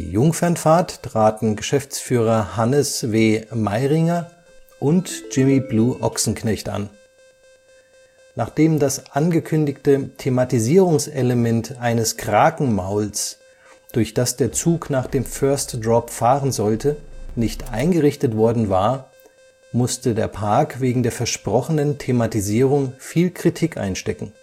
Jungfernfahrt traten Geschäftsführer Hannes W. Mairinger und Jimi Blue Ochsenknecht an. Nachdem das angekündigte Thematisierungselement eines Krakenmauls, durch das der Zug nach dem First Drop fahren sollte, nicht eingerichtet worden war, musste der Park wegen der versprochenen Thematisierung viel Kritik einstecken